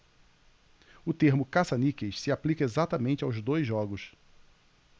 o termo caça-níqueis se aplica exatamente aos dois jogos